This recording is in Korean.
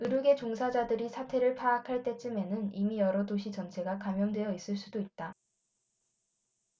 의료계 종사자들이 사태를 파악할 때쯤에는 이미 여러 도시 전체가 감염되어 있을 수도 있다